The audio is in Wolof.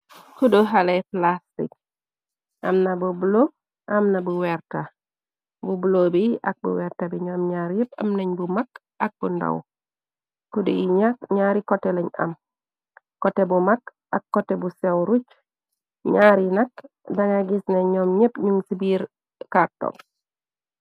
Kudu xale plastik amna bu bulo am na bu werta. Bu bulo bi ak bu werta bi ñoom ñaar yepp am nañ bu mag ak bu ndàw. Kudu yi nak ñaari kote lañ am. Kote bu mag ak kote bu sew ruj. Nyaar yi nak dangaa gis ne ñoom ñepp ñun ci biir kàrtop.